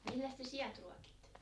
milläs te siat ruokitte